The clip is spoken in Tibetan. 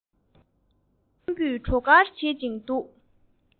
སྤྲིན དཀར ཚོམ བུས བྲོ གར བྱེད ཅིང འདུག